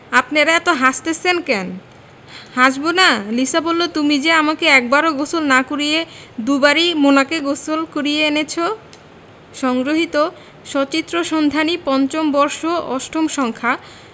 আপনেরা অত হাসতাসেন ক্যান হাসবোনা লিসা বললো তুমি যে আমাকে একবারও গোসল না করিয়ে দুবারই মোনাকে গোসল করিয়ে এনেছো সংগ্রহীত সচিত্র সন্ধানী৫ম বর্ষ ৮ম সংখ্যা